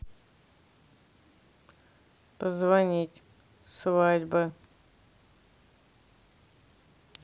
позвонить свадьбы